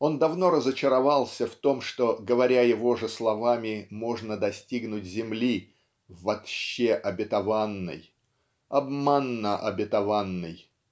он давно разочаровался в том что говоря его же словами можно достигнуть земли "вотще обетованной" обманно обетованной